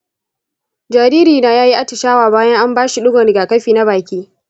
jaririna ya yi atishawa bayan an ba shi digon rigakafi na baki.